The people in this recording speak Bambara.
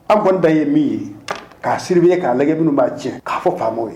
An kɔni ye min ye k'a siribi ye k'a lajɛ minnu b'a cɛ k'a fɔ faama ye